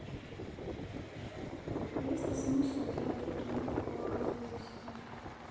есть ли смысл делать прививку алкозависимым